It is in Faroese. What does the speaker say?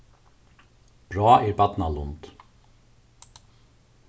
bráð er barna lund